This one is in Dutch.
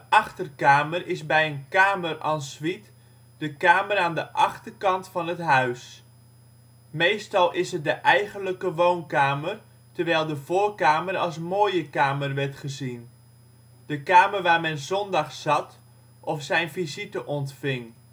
achterkamer is bij een kamer en suite de kamer aan de achterkant van het huis. Meestal is het de eigenlijke woonkamer, terwijl de voorkamer als mooie kamer werd gezien, de kamer waar men zondags zat of zijn visite ontving